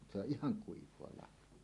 se on ihan kuivaa lahoa